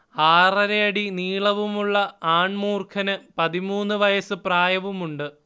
ആറരയടി നീളവുമുള്ള ആൺ മൂർഖന് പതിമൂന്ന് വയസ് പ്രായവുമുണ്ട്